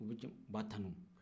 u b'a tanu